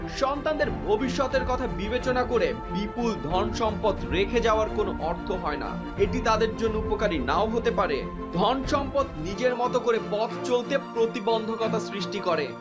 সন্তানদের ভবিষ্যতের কথা বিবেচনা করে বিপুল ধনসম্পদ রেখে যাওয়ার কোন অর্থ হয় না এটি তাদের জন্য উপকারী নাও হতে পারে ধন সম্পদ নিজের মত করে পথ চলতে প্রতিবন্ধকতা সৃষ্টি করে